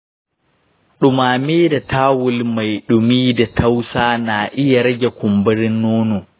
dumame da tawul mai dumi da tausa na iay rage kumburin nono.